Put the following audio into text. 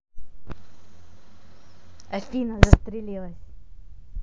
афина застрелись